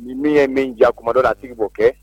Ni min ye min diya kuma dɔ a tigi b'o kɛ